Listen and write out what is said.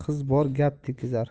qiz bor gap tekizar